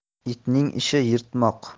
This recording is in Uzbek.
itning ishi yirtmoq